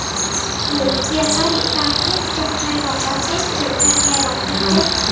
mười quốc gia có điểm cao nhất trong hai vòng bán kết sẽ được tham gia vòng chung kết